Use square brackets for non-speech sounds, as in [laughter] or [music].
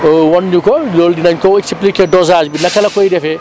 [hesitation] wan ñu ko loolu dinañ ko expliquer dosage bi naka la koy defee